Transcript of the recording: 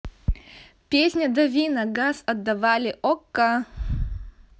песня дави на газ отдавали okko